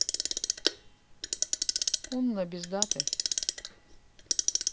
уннв без даты